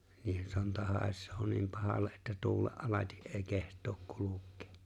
niiden sonta haisee niin pahalle että tuulen alati ei kehtaa kulkea